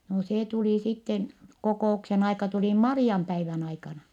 no se tuli sitten kokouksen aika tuli Marianpäivän aikana